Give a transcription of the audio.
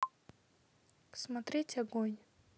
смотреть огонь